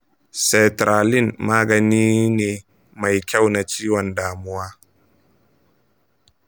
sertraline magani ne mai kyau na ciwon damuwa